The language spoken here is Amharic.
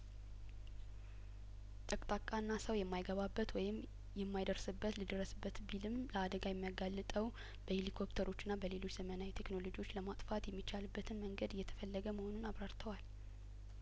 ጠቅጣቃና ሰው የማይገባበት ወይም የማይደርስበት ልድረስበት ቢልም ለአደጋ የሚያጋልጠው በሂሊኮፕተ ሮችና በሌሎችም ዘመናዊ ቴክኖሎጂዎች ለማጥፋት የሚቻልበትን መንገድ እየተፈለገ መሆኑን አብራርተዋል